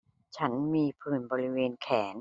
ฉันมีผื่นบริเวณแขน